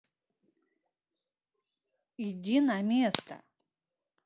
иди на место